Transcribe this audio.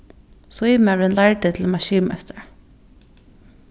síðumaðurin lærdi til maskinmeistara